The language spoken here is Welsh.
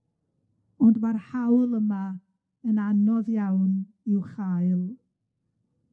ond ma'r hawl yma yn anodd iawn i'w chael.